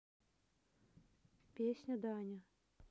песня даня